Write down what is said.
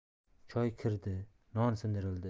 choy kirdi non sindirildi